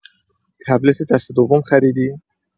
تبلت دسته دوم خریدی؟